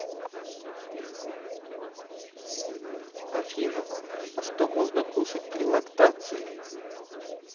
афина а что можно кушать при лактации